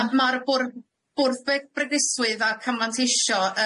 Ia ma'r bwrdd bwrdd be- breguswydd a camfanteisio